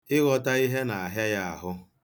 Ịghọta ihe na-ahịa ya ahụ.